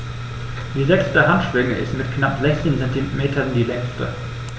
Die sechste Handschwinge ist mit knapp 60 cm die längste.